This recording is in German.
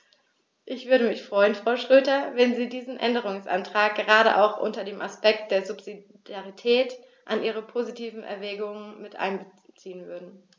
Ich würde mich freuen, Frau Schroedter, wenn Sie diesen Änderungsantrag gerade auch unter dem Aspekt der Subsidiarität in Ihre positiven Erwägungen mit einbeziehen würden.